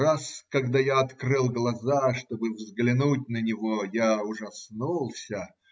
Раз, когда я открыл глаза, чтобы взглянуть на него, я ужаснулся.